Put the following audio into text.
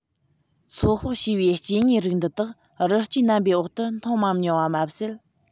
ཚོད དཔག བྱས པའི སྐྱེ དངོས རིགས འདི དག རི སྐྱེས རྣམ པའི འོག ཏུ མཐོང མ མྱོང པ མ ཟད